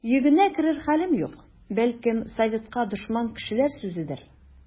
Йөгенә керер хәлем юк, бәлкем, советка дошман кешеләр сүзедер.